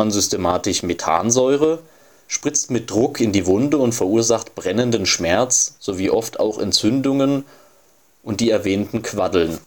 systematisch: Methansäure) spritzt mit Druck in die Wunde und verursacht brennenden Schmerz sowie oft auch Entzündungen und die erwähnten Quaddeln